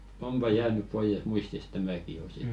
onpa jäänyt pois muistista tämäkin jo sitten